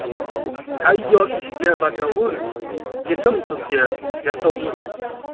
tayyor oshga bakovul yetim qizga yasovul